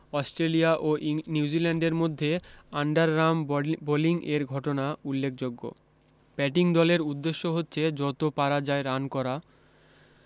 Australia ও নিউজিল্যান্ডের মধ্যে আন্ডারারম বোলিং এর ঘটনা উল্লেখযোগ্য ব্যাটিং দলের উদ্দেশ্য হচ্ছে যত পারা যায় রান করা